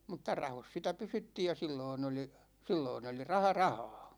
mutta rahoissa sitä pysyttiin ja silloin oli silloin oli raha rahaa